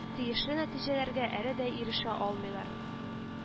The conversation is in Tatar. Тиешле нәтиҗәләргә әле дә ирешә алмыйлар